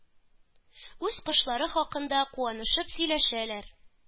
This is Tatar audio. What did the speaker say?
Үз кошлары хакында куанышып сөйләшәләр,